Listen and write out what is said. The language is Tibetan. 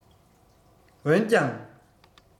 འོན ཀྱང